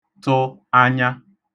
tụ anya